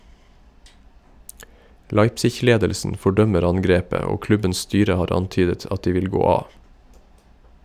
Leipzig-ledelsen fordømmer angrepet og klubbens styre har antydet at de vil gå av.